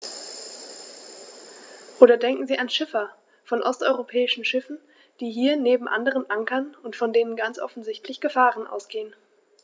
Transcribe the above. Oder denken Sie an Schiffer von osteuropäischen Schiffen, die hier neben anderen ankern und von denen ganz offensichtlich Gefahren ausgehen.